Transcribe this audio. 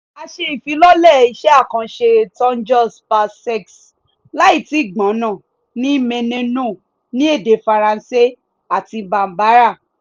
A ṣe ìfilọ́lẹ̀ iṣẹ́ àkànṣe Toujours Pas Sages (Láì tíì gbọ́n náà) ní Maneno, ní èdè Faransé àti Bambara.